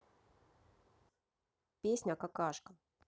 песня какашка